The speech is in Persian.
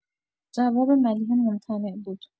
جواب ملیحه ممتنع بود.